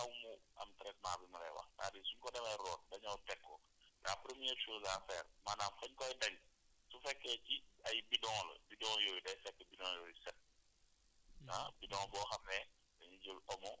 donc ndox yooyu ndox boobu noonu faaw mu am traitement bi ma lay wax c' est à dire suñ ko demee root ba ñëw teg ko la première chose à maanaam fañ koy tegi su fekkee si ay bidons la bidons yooyu day fekk bidons yooyu set